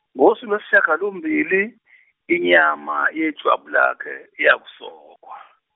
ngosuku Iwesishiyagalombili inyama yeJwabu Iakhe iyakusokwa.